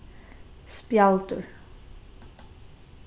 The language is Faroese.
spjaldur